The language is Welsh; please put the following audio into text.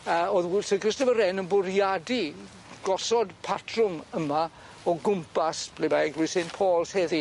Yy o'dd Wil- Sir Christopher Wren yn bwriadu gosod patrwm yma o gwmpas ble mae Eglwys Sain' Paul's heddi.